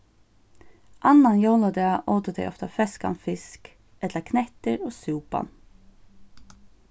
annan jóladag ótu tey ofta feskan fisk ella knettir og súpan